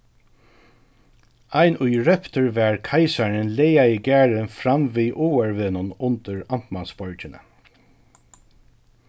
ein ið róptur varð keisarin laðaði garðin fram við áarvegnum undir amtmansborgini